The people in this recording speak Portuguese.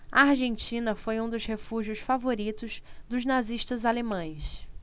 a argentina foi um dos refúgios favoritos dos nazistas alemães